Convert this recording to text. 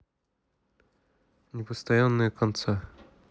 непостоянное конца